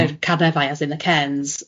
...yr caneddau as in the cairns,